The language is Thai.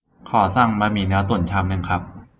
ขอสั่งบะหมี่เนื้อตุ๋นชามนึงครับ